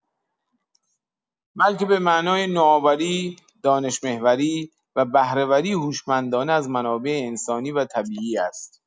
بلکه به معنای نوآوری، دانش‌محوری و بهره‌وری هوشمندانه از منابع انسانی و طبیعی است.